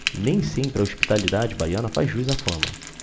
nem sempre a hospitalidade baiana faz jus à fama